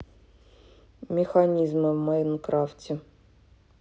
механизмы в майнкрафте